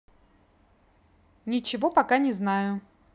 ничего пока не знаю